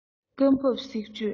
སྐབས བབས གསེག གཅོད